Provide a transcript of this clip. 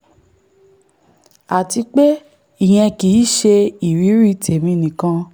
Àtipé ìyẹn kìí ṣe ìrírí tèmi nìkan.